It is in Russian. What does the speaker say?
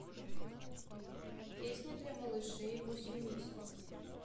песня для малышей восемь месяцев